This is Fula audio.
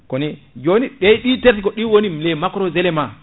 koni joni ɗe ɗi taati ko ɗi woni les macros éléments